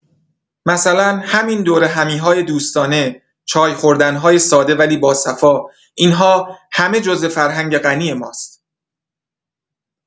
مثلا همین دورهمی‌های دوستانه، چای خوردن‌های ساده ولی باصفا، این‌ها همه جزو فرهنگ غنی ماست.